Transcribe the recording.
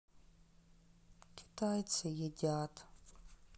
китайцы едят